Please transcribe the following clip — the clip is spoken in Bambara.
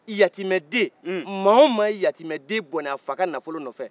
yatimɛ den mɔgɔ wo mɔgɔ ye yatimɛ den bɔnɛ a fa ka nafolo nɔ fɛ